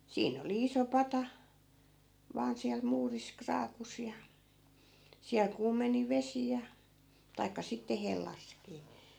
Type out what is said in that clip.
siinä oli iso pata vain siellä muurissa kraakussa ja siellä kuumeni vesi ja tai sitten hellassakin